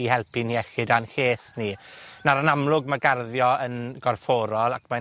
i helpu'n iechyd a'n lles ni. Naw'r, yn amlwg, ma' garddio yn gorfforol ac mae'n